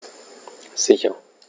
Sicher.